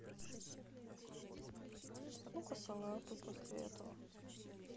ну косатый после этого